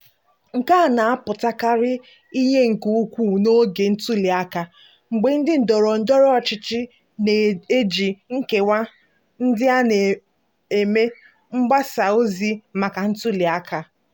Nke a na-apụtakarị ihe nke ukwuu n'oge ntuliaka mgbe ndị ndọrọndọrọ ọchịchị na-eji nkewa ndị a eme mgbasa ozi maka ntuliaka.